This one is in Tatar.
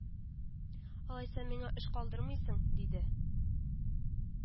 Алайса миңа эш калдырмыйсың, диде